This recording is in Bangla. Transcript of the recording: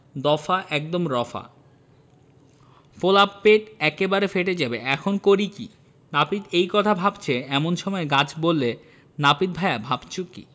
দফা একদম রফা ফোলা পেট এবারে ফেটে যাবে এখন করি কী নাপিত এই কথা ভাবছে এমন সময় গাছ বললে নাপিত ভায়া ভাবছ কী